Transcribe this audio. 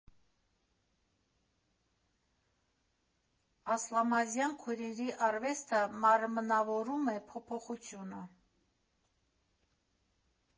Ասլամազյան քույրերի արվեստը մարմնավորում է փոփոխությունը։